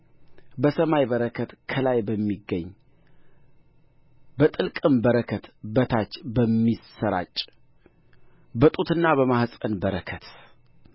በሰማይ በረከት ከላይ በሚገኝ በጥልቅም በረከት ከታች በሚሠራጭ በጡትና በማኅፀን በረከት